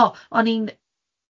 O o'n i'n,